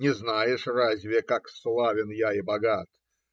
Не знаешь разве, как славен я и богат?